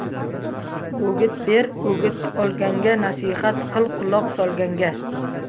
o'git ber o'git olganga nasihat qil quloq solganga